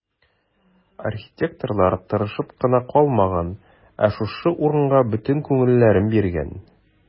Архитекторлар тырышып кына калмаган, ә шушы урынга бөтен күңелләрен биргән.